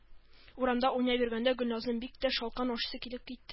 Урамда уйнап йөргәндә Гөльназның бик тә шалкан ашыйсы килеп китте